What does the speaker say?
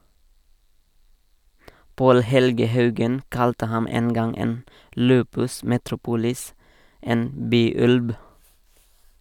Paal Helge Haugen kalte ham en gang en lupus metropolis, en byulv.